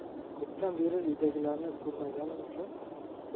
ko'pdan beri uydagilarni ko'rmaganim uchun